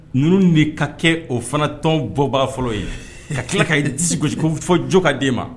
Ninnu de ka kɛ o fana tɔn bɔ baga fɔlɔ ye. Ka kila ka disi gosi ko fo jo ka di e ma.